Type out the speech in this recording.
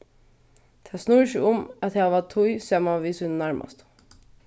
tað snýr seg um at hava tíð saman við sínum nærmastu